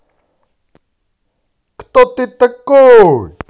кто ты такой